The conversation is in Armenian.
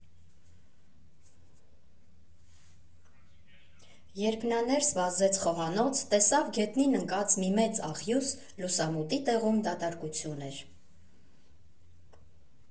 Երբ նա ներս վազեց խոհանոց, տեսավ գետնին ընկած մի մեծ աղյուս, լուսամուտի տեղում դատարկություն էր։